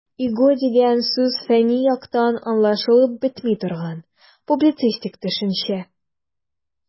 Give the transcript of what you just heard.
"иго" дигән сүз фәнни яктан аңлашылып бетми торган, публицистик төшенчә.